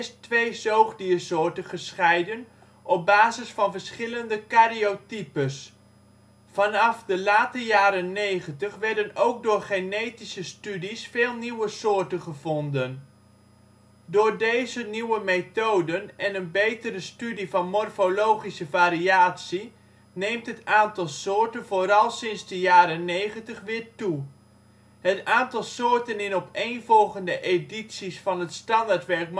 twee zoogdiersoorten gescheiden op basis van verschillende karyotypes. Vanaf de late jaren 90 werden ook door genetische studies veel nieuwe soorten gevonden. Door deze nieuwe methoden en een betere studie van morfologische variatie neemt het aantal soorten vooral sinds de jaren 90 weer toe. Het aantal soorten in opeenvolgende edities van het standaardwerk